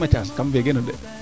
Mathiase kam feen geno de